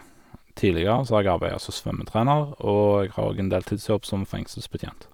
Tidligere så har jeg arbeida som svømmetrener, og jeg har òg en deltidsjobb som fengselsbetjent.